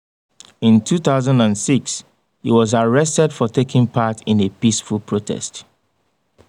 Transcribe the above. In 2006, he was arrested for taking part in a peaceful protest.